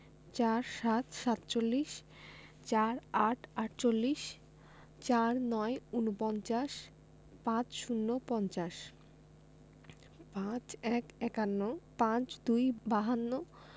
৪৭ - সাতচল্লিশ ৪৮ -আটচল্লিশ ৪৯ – উনপঞ্চাশ ৫০ - পঞ্চাশ ৫১ – একান্ন ৫২ - বাহান্ন